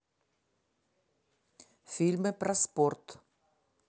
фильмы про спорт